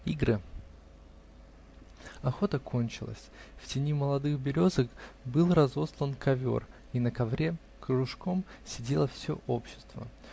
ИГРЫ. Охота кончилась. В тени молодых березок был разостлан ковер, и на ковре кружком сидело все общество.